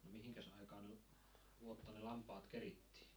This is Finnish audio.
no mihinkäs aikaan vuotta ne lampaat kerittiin